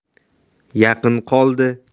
yaqin qoldi